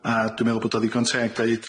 a dwi me'wl bod o ddigon teg deud